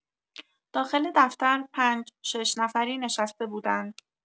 داخل دفتر پنج - شش‌نفری نشسته بودند.